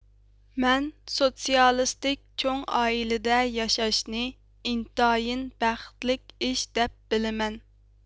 مەن سوتسىيالىستىك چوڭ ئائىلىدە ياشاشنى ئىنتايىن بەختلىك ئىش دەپ بىلىمەن